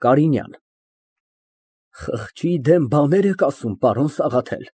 ԿԱՐԻՆՅԱՆ ֊ Խղճի դեմ բաներ եք ասում, պարոն Սաղաթել։